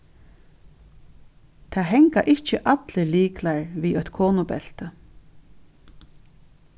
tað hanga ikki allir lyklar við eitt konubelti